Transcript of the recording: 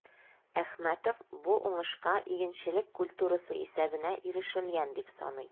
Әхмәтов бу уңышка игенчелек культурасы исәбенә ирешелгән дип саный.